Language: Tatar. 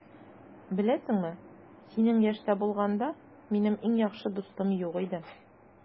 Беләсеңме, синең яшьтә булганда, минем иң яхшы дустым юк иде.